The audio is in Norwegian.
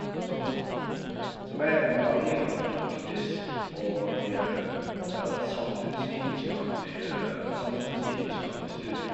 som Som er en blanding av praktisk og, ja, sånn samfunnsvitenskapelig et samfunnsvitenskapelig studie.